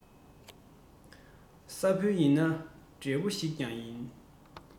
ས བོན ཞིག ཡིན ལ འབྲས བུ ཞིག ཀྱང ཡིན